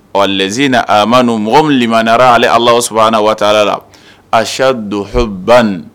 Ɔ na a ma mɔgɔ wulilalira ale ala saba waati la asa don hban